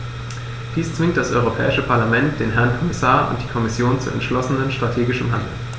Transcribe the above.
Dies zwingt das Europäische Parlament, den Herrn Kommissar und die Kommission zu entschlossenem strategischen Handeln.